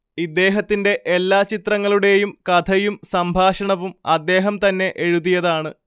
ഇദ്ദേഹത്തിന്റെ എല്ലാ ചിത്രങ്ങളുടെയു കഥയും സംഭാഷണവും അദ്ദേഹംതന്നെ എഴുതിയതാണ്